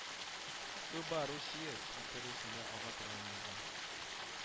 Ыба Русия территориясеннән ага торган елга